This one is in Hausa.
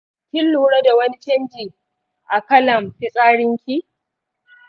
kin lura da wani canji a kalan fitsarinki?